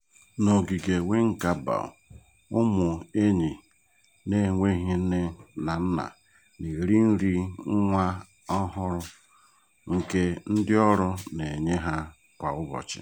N'ogige Wingabaw, ụmụ enyi n'enweghị nne na nna na-eri nri nwa ọhụrụ nke ndịọrụ na-enye ha kwa ụbọchị.